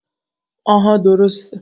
آها درسته